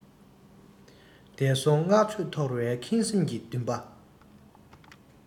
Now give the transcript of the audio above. འདས སོང བསྔགས བརྗོད ཐོར བའི ཁེངས སེམས ཀྱི འདུན པ